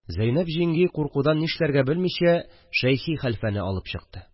Зәйнәп җиңги, куркудан нишләргә белмичә, Шәйхи хәлфәне алып чыкты